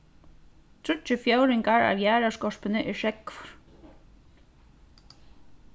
tríggir fjórðingar av jarðarskorpuni er sjógvur